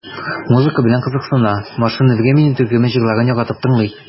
Музыка белән кызыксына, "Машина времени" төркеме җырларын яратып тыңлый.